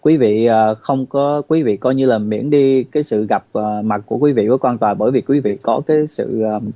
quý vị và không có quý vị coi như là miễn đi cái sự gặp mặt của quý vị có quan tòa bởi vì quý vị có cái sự